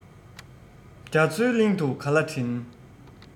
རྒྱ མཚོའི གླིང དུ ག ལ བྲིན